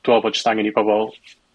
dw me'wl bo' jyst angen i bobol